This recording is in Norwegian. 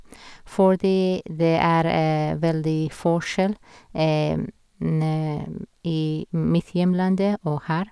Fordi det er veldig forskjell i mitt hjemlandet og her.